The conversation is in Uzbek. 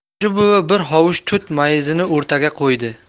hoji buvi bir hovuch tut mayizini o'rtaga qo'ydi